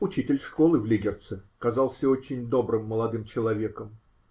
*** Учитель школы в Лигерце казался очень добрым молодым человеком.